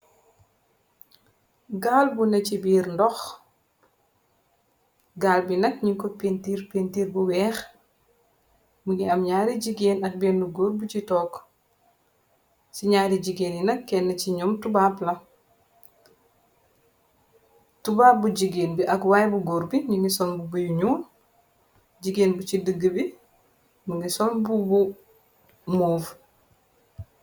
Gaal bu na ci biir ndox gaal bi nak ñi ko pintiir bu weex mi ngi am ñaari jigéen ak bénnu góor bu ci tokk ci ñaari jigéen yinak kenn ci ñoom tubap la tubap bu jigéen bi ak waay bu góor bi ningi son bu bu yu ñuul jigéen bu ci dëgg bi ni ngi son bu bu moof.